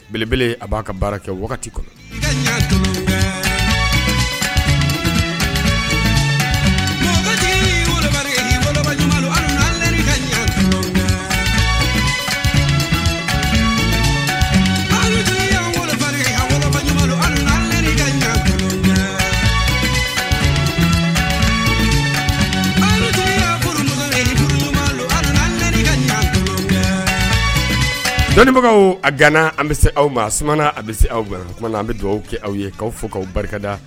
Belebele a b'a ka baara kɛ wagati kɔnɔ dɔnnibagaw gana an bɛ se aw maumana a bɛ se aw maumana an bɛ dugawu aw kɛ aw ye' aw fo k'aw barikada